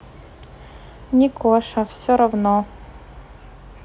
никоша все равно